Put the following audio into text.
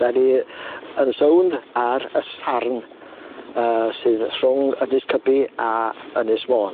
'Da ni yn sownd ar y sarn yy sydd rhwng Ynys Cybi a Ynys Môn.